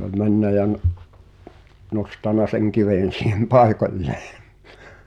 se oli mennyt ja - nostanut sen kiven siihen paikoilleen